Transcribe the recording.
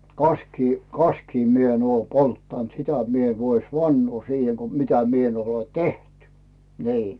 kaskia kaskia minä en ole polttanut sitä minä en voi vannoa siihen kun mitä minä en ole tehnyt niin